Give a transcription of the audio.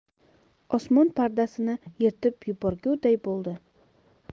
osmon pardasini yirtib yuborguday bo'ldi